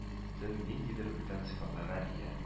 Тен ниндидер бүтән сыйфатларга ия